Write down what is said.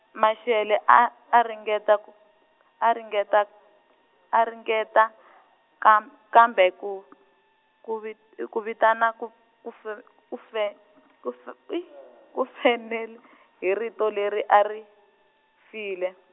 Mashele a a ringeta k-, a ringeta, a ringeta kam-, kambe ku , ku vi- , ku vitana ku, ku f- , ku fe ku f- ku feni , hi rito leri a ri, file.